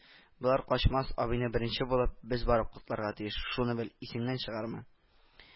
— болар качмас. абыйны беренче булып без барып котларга тиеш. шуны бел. исеңнән чыгарма